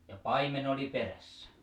ja paimen oli perässä